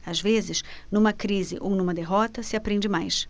às vezes numa crise ou numa derrota se aprende mais